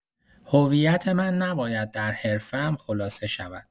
هویت من نباید در حرفه‌ام خلاصه شود.